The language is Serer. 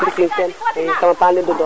Mbisine Sene i kama paana le Ndoundokh